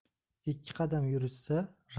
ikki qadam yurishsa